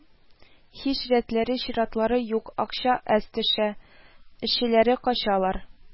Һич рәтләре-чиратлары юк, акча әз төшә, эшчеләре качалар